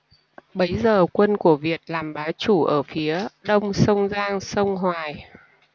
bấy giờ quân của việt làm bá chủ ở phía đông sông giang sông hoài